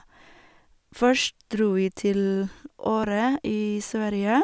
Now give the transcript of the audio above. Først dro vi til Åre i Sverige.